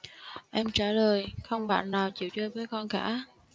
em trả lời không bạn nào chịu chơi với con cả